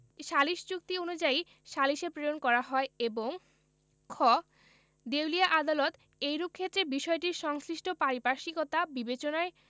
সালিস চুক্তি অনুযায়ী সালিসে প্রেরণ করা হয় এবং খ দেউলিয়া আদালত এইরূপ ক্ষেত্রে বিষয়টির সংশ্লিষ্ট পারিপার্শ্বিকতা বিবেচনায়